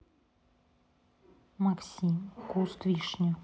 максим куст вишня